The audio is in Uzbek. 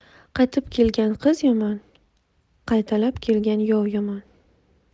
qaytib kelgan qiz yomon qaytalab kelgan yov yomon